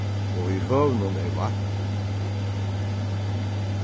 og í høvunum er vatn